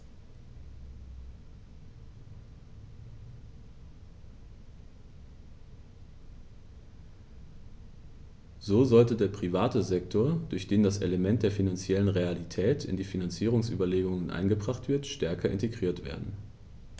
So sollte der private Sektor, durch den das Element der finanziellen Realität in die Finanzierungsüberlegungen eingebracht wird, stärker integriert werden.